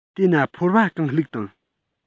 དེ ན ཕོར བ གང བླུགས དང